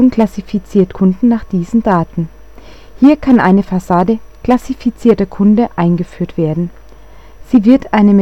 klassifiziert Kunden nach diesen Daten. Hier kann eine Fassade „ klassifizierter Kunde “eingeführt werden. Sie wird eine Methode